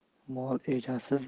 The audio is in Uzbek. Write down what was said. mol egasiz bo'lmas